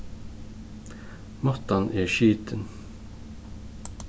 mottan er skitin